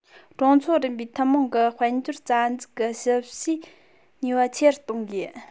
གྲོང ཚོ རིམ པའི ཐུན མོང གི དཔལ འབྱོར རྩ འཛུགས ཀྱི ཞབས ཞུའི ནུས པ ཆེ རུ གཏོང དགོས